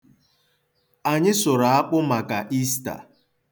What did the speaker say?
Anyị sụrụ akpụ maka Ista.